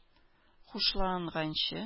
Хушланганчы